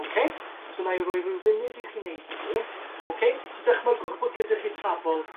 Oce? So wnâi roi ryw funud i chi neud hynny oce? So dychmygwch bod gyda chi tabl